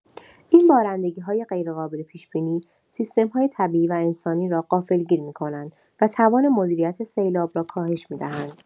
این بارندگی‌های غیرقابل پیش‌بینی، سیستم‌های طبیعی و انسانی را غافلگیر می‌کنند و توان مدیریت سیلاب را کاهش می‌دهند.